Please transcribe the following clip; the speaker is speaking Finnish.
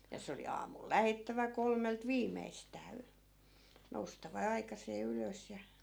ja se oli aamulla lähdettävä kolmelta viimeistään - noustava aikaiseen ylös ja